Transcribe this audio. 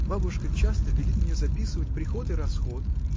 Бабушка часто велит мне записывать приход и расход.